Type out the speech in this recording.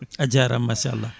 a jarama machallah